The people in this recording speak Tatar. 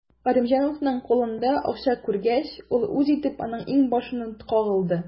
Галимҗановның кулында акча күргәч, ул үз итеп аның иңбашына кагылды.